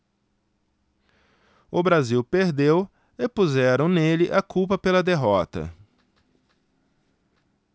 o brasil perdeu e puseram nele a culpa pela derrota